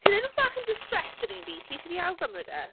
Ti'n edrych bach yn distressed yn un fi, ti eisiau i fi ail-gymryd e?